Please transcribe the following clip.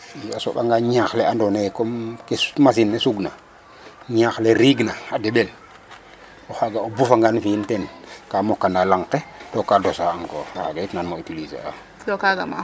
II a soɓanga ñaax le andoona yee comme ke machine ne sugna ñaax le riigna deɓel o xaaga o bufangaan fi'in teen ka moqna lang ke to ka dosage encore kaaga tam nangaanum o utiliser a